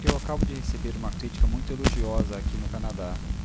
eu acabo de receber uma crítica muito elogiosa aqui no canadá